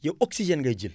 yow oxygène ngay jël